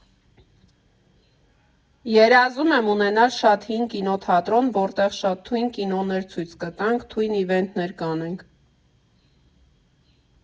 Երազում եմ ունենալ շատ հին կինոթատրոն, որտեղ շատ թույն կինոներ ցույց կտանք, թույն իվենթներ կանենք։